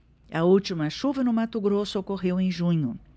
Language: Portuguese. a última chuva no mato grosso ocorreu em junho